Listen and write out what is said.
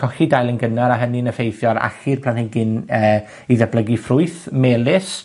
colli dail yn gynnar, a hynny'n effeithio ar allu'r planhigyn, yy, i ddatblygu ffrwyth melys.